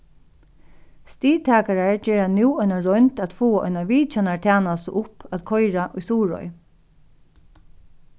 stigtakarar gera nú eina roynd at fáa eina vitjanartænastu upp at koyra í suðuroy